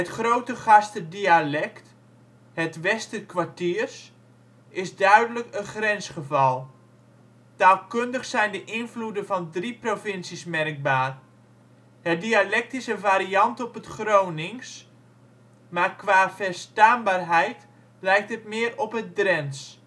Grootegaster dialect, het Westerkwartiers, is duidelijk een grensgeval. Taalkundig zijn de invloeden van drie provincies merkbaar: het dialect is een variant van het Gronings, maar qua verstaanbaarheid lijkt het meer op het Drents